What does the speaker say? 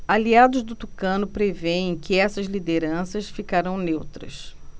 aliados do tucano prevêem que essas lideranças ficarão neutras